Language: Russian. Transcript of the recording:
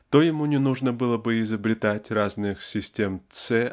то ему не нужно было бы изобретать разных систем С